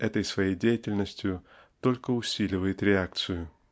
этой своей деятельностью только усиливает реакцию.